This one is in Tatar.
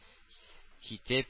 Китеп